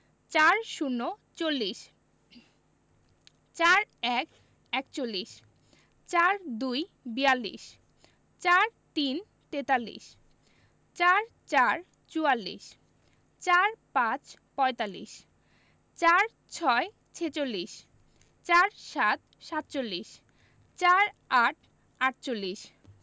৪০ - চল্লিশ ৪১ - একচল্লিশ ৪২ - বিয়াল্লিশ ৪৩ - তেতাল্লিশ ৪৪ – চুয়াল্লিশ ৪৫ - পঁয়তাল্লিশ ৪৬ - ছেচল্লিশ ৪৭ - সাতচল্লিশ ৪৮ -আটচল্লিশ